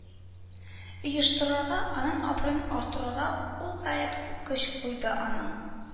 Оештыруга, аның абруен арттыруга ул гаять күп көч куйды, аның